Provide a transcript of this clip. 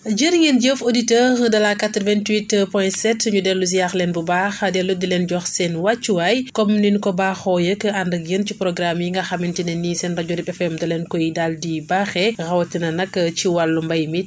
jërë ngeen jëf auditeurs de la 88 point 7 ñu ngi dellu ziar leen bu baax dellu di leen jox seen wàccuwaay comme ni énu ko baaxoo yeeg ànd ak yéen ci programme yi nga xamante ne nii seen rajo RIP FM daleen koy daal di baaxee rawtina nag ci wàllu mbay mi